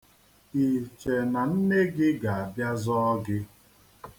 I che na nne gị ga-abịa zọọ gị?